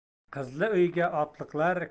qizli uyga otliqlar